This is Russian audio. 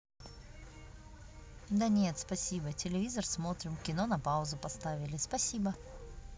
да нет спасибо телевизор смотрим кино на паузу поставили спасибо